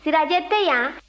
sirajɛ tɛ yan